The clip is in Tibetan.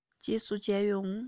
རྗེས སུ མཇལ ཡོང